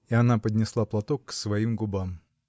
И она поднесла платок к своим губам.